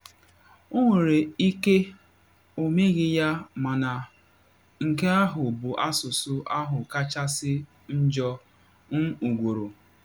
Ọ nwere ike ọ meghị ya, mana nke ahụ bụ asụsụ ahụ kachasị njọ m hụgoro.”